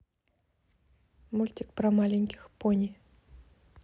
мультик про маленьких пони